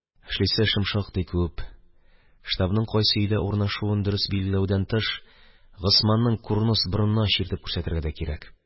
Эшлисе эшем шактый күп, штабның кайсы өйдә урнашуын дөрес итеп билгеләүдән тыш, Госманның курнос борынына чиртеп күрсәтергә дә кирәк.